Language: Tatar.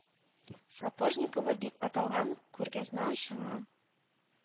Сапожникова дип аталган күргәзмә ачыла